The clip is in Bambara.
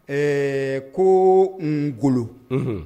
Ɛɛ ko ngolo